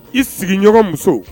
I sigiɲɔgɔn muso